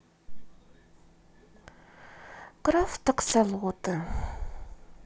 крафт аксолоты